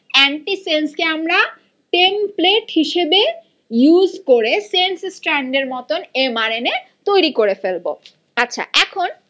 anti sense কে আমরা template হিসেবে ইউজ করে সেন্স স্ট্র্যান্ড এর মত এম আর এন এ তৈরি করে ফেলব আচ্ছা এখন